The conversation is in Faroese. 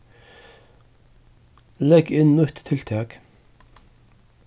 legg inn nýtt tiltak